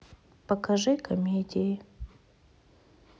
покажи комедии